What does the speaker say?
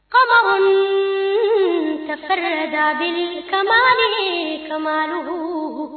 Kamalensonin kasɛ ja kamalen kadugu